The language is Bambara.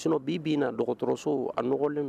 ' bɛ na dɔgɔtɔrɔso a nɔgɔlen